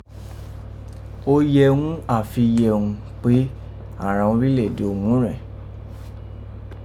Ó yẹ ghún àfiyèghún pé ni àghan orílẹ̀ èdè òmúrẹ̀n